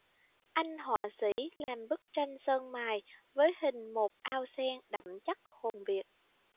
anh họa sĩ làm bức tranh sơn mài với hình một ao sen đậm chất hồn việt